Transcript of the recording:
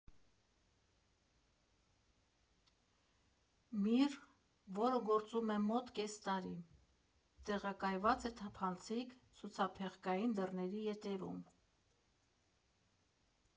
«Միր», որը գործում է մոտ կես տարի, տեղակայված է թափանցիկ, ցուցափեղկային դռների ետևում։